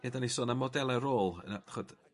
Lle 'dan ni sôn am modela rôl yn y ch'od